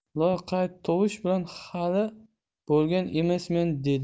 loqayd tovush bilan hali bo'lgan emasmen dedi